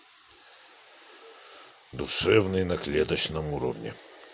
душевный на клеточном уровне